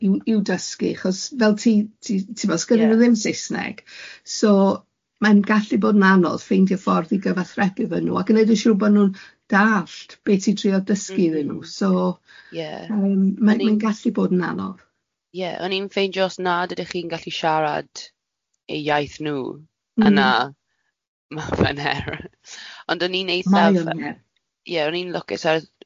..iw iw dysgu, achos fel ti ti timod... Ie. os gynnyn nhw ddim Saesneg, so mae'n gallu bod yn anodd ffeindio ffordd i gyfathrebu efo nhw, a gwneud yn siŵr bod nhw'n dallt be ti'n trio dysgu iddyn nhw... M-hm. ...so ie. Yym mae'n gallu bod yn anodd. Ie o ni'n ffeindio os na ydych chi'n gallu siarad eu iaith nhw yna ma- mae'n her. Mae o'n her. O ni'n lwcus